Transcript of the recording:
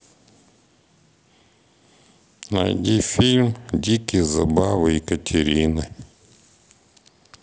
найди фильм дикие забавы екатерины